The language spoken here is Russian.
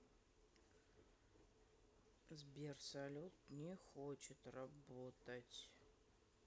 сбер салют не хочет работать